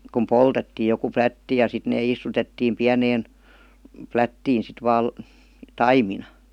kun poltettiin joku plätti ja sitten ne istutettiin pieneen plättiin sitten vain taimina